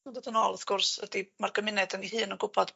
Ma'n dod yn ôl wrth gwrs ydi ma'r gymuned 'yn hun yn gwbod